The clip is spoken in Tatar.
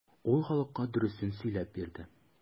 Ул халыкка дөресен сөйләп бирде.